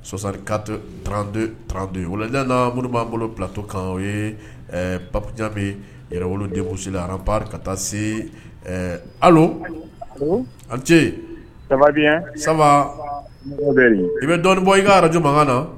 Sɔsarite trante trante wa mori'an bolo bilato kan o ye paja yɛrɛ wolo desi apri ka taa se ali an ce saba i bɛ dɔnni bɔ i' ara j na